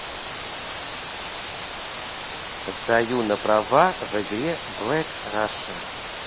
сдаю на права в игре black russia